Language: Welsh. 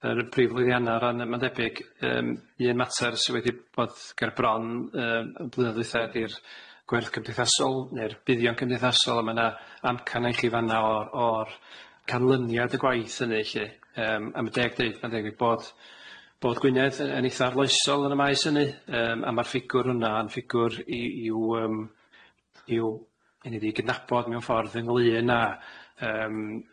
yr priflyddianna o ran yy ma'n debyg yym un mater sy wedi bod ger bron yym yn blwyddyn ddwytha ydi'r gwerth cymdeithasol ne'r buddion cymdeithasol a ma' na amcana i chi fan'na o o'r canlyniad y gwaith hynny lly yym a ma' deg deud ma'n deg deud bod bod Gwynedd yy yn eitha arloesol yn y maes hynny yym a ma'r ffigwr hwnna yn ffigwr i- i'w yym i'w i'n iddi gydnabod mewn ffordd ynglŷn a yym